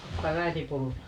ottaako äiti pullaa